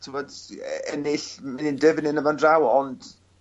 t'mbod e- ennill munude fyn 'yn a fan draw ond